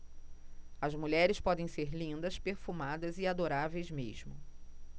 as mulheres podem ser lindas perfumadas e adoráveis mesmo